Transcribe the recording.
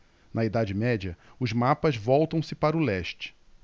na idade média os mapas voltam-se para o leste